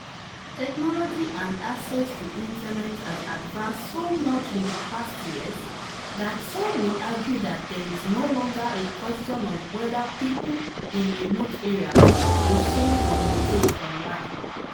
Technology and access to internet has advanced so much in the past years, that some will argue that there is no longer a question of whether people in remote areas will soon communicate online.